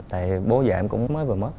tại bố vợ em cũng mới vừa mất